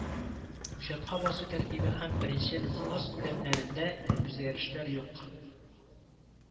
Учетка басу тәртибе һәм беренчел взнос күләмнәрендә үзгәрешләр юк